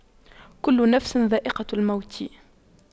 كُلُّ نَفسٍ ذَائِقَةُ المَوتِ